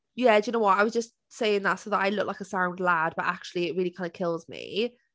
"Yeah, do you know what, I was just saying that so that I look like a sound lad, but actually it really kind of kills me."